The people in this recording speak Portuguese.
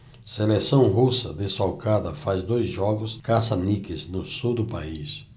seleção russa desfalcada faz dois jogos caça-níqueis no sul do país